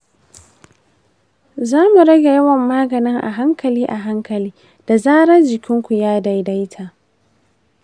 za mu rage yawan maganin a hankali a hankali da zarar jikin ku ya daidaita.